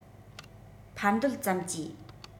འཕར འདོད ཙམ གྱིས